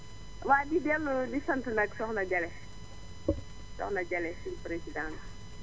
waaw di dellu di sant nag Soxna Jalle Soxna Jalle suñu présidente